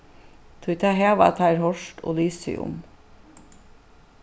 tí tað hava teir hoyrt og lisið um